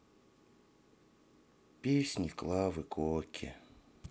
песни клавы коки